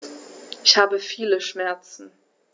Ich habe viele Schmerzen.